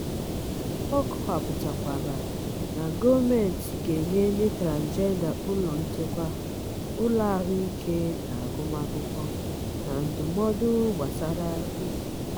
Ọ kọwapụtakwara na gọọmentị ga-enye ndị transịjenda ụlọ nchekwa, ụlọ ahụike na agụmakwụkwọ na ndụmọdụ gbasara uche.